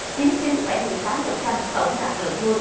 chiếm chín phẩy mười tám phần trăm tổng đàn lợn nuôi